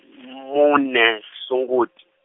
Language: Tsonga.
mune, Sunguti.